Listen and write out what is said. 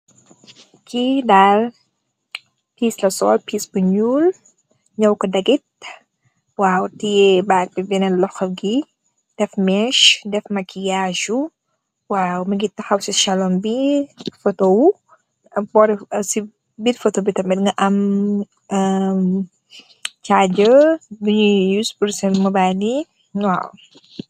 Ki dal pisla sol, pisbou nioul niawko dagid, teye bakbi benene lokhobi. def mess , def makiyasou , mougi takhaw si salone bi phioto wou. sibir phioto bi tamid , nga am tiadja binouy youss pour sene moubaye yi waw